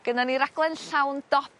Gynnon ni raglen llawn dop